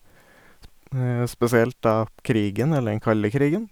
sp Spesielt da krigen, eller den kalde krigen.